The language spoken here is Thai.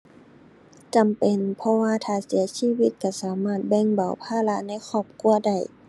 จำเป็นเพราะว่าถ้าเสียชีวิตก็สามารถแบ่งเบาภาระในครอบครัวได้